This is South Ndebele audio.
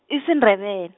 isiNdebel-.